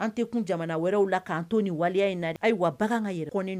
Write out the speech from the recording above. An tɛ kun jamana wɛrɛw la kan to ni waliya in na. Ayiwa bagan ka yɛrɛ